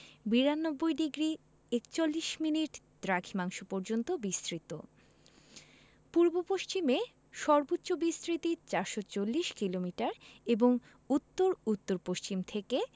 ৯২ degree ৪১মিনিট দ্রাঘিমাংশ পর্যন্ত বিস্তৃত পূর্ব পশ্চিমে সর্বোচ্চ বিস্তৃতি ৪৪০ কিলোমিটার এবং উত্তর উত্তর পশ্চিম থেকে